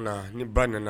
O tuma naa, ni ba nana